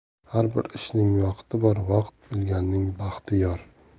har bir ishning vaqti bor vaqt bilganning baxti yor